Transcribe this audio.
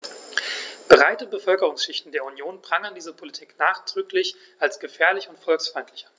Breite Bevölkerungsschichten der Union prangern diese Politik nachdrücklich als gefährlich und volksfeindlich an.